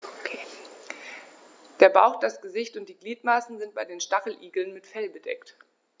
Der Bauch, das Gesicht und die Gliedmaßen sind bei den Stacheligeln mit Fell bedeckt.